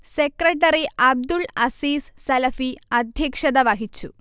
secretary Abdul Aziz Salafi അധ്യക്ഷത വഹിച്ചു